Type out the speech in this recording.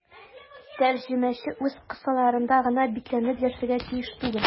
Тәрҗемәче үз кысаларында гына бикләнеп яшәргә тиеш түгел.